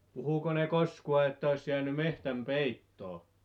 puhuiko ne koskaan että olisi jäänyt metsän peittoon